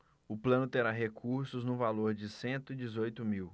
o plano terá recursos no valor de cento e dezoito mil